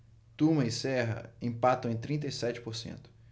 tuma e serra empatam em trinta e sete por cento